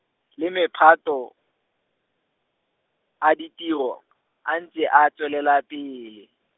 le maphata, a ditiro , a ntse a tswelela pele.